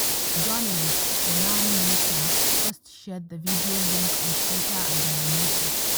Journalist Jenan Moussa first shared the video link on Twitter and then removed it.